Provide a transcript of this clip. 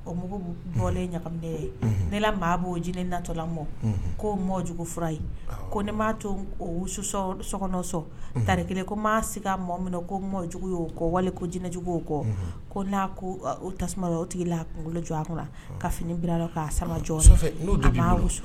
Ɔ mɔgɔw bɔlen ɲaga ye ne la maa' o j natɔla ko mɔjugu fura ye ko ne m'a tosɔ sokɔnɔsɔn tari kelen ko ma se ka mɔgɔ min ko mɔjugu y'o kɔ wali ko jinɛjugu' kɔ ko n'a ko tasuma o tigila a kunkolo jɔ a kɔnɔ ka fini bila' samajɔ n' muso